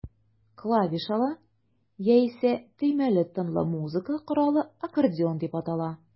Клавишалы, яисә төймәле тынлы музыка коралы аккордеон дип атала.